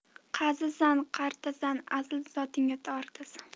qazisan qartasan asl zotingga tortasan